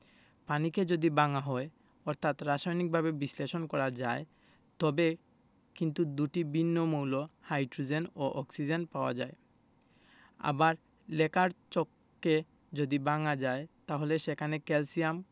পানিকে যদি ভাঙা হয় অর্থাৎ রাসায়নিকভাবে বিশ্লেষণ করা যায় তবে কিন্তু দুটি ভিন্ন মৌল হাইড্রোজেন ও অক্সিজেন পাওয়া যায় আবার লেখার চককে যদি ভাঙা যায় তাহলে সেখানে ক্যালসিয়াম